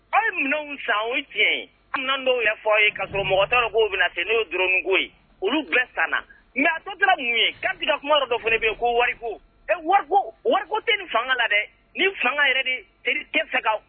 Aw ye minnu san o y tiɲɛ ye, an t'o ɲɛ fɔ a ye, k'a sɔrɔ mɔgɔ tɛ a dɔn k'o bɛna se n'o ye drone ko ye, olu bɛɛ san na, mais a tɔ tora mun ye, Kadi ka kuma yɔrɔ dɔ fana bɛ yen ko wari ko, wari ko tɛ nin fanga la dɛ, nin fanga yɛrɛin yɛrɛde c'est dire